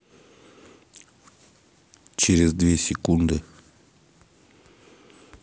через две секунды